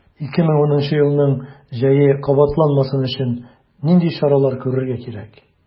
2010 елның җәе кабатланмасын өчен нинди чаралар күрергә кирәк?